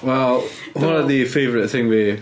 Wel, hwnna 'di favourite thing fi.